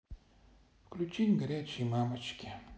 включить горячие мамочки